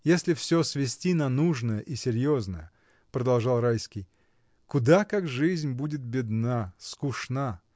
— Если всё свести на нужное и серьезное, — продолжал Райский, — куда как жизнь будет бедна, скучна!